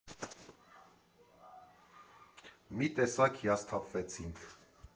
Մի տեսակ հիասթափվեցինք։